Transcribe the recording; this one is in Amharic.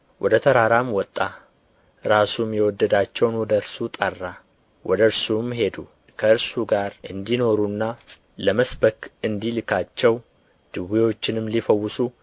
ወደ ተራራም ወጣ ራሱም የወደዳቸውን ወደ እርሱ ጠራ ወደ እርሱም ሄዱ ከእርሱም ጋር እንዲኖሩና ለመስበክ እንዲልካቸው ድውዮችንም ሊፈውሱ